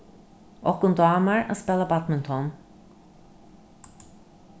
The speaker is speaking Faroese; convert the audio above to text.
okkum dámar at spæla badminton